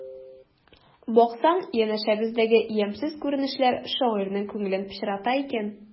Баксаң, янәшәбездәге ямьсез күренешләр шагыйрьнең күңелен пычрата икән.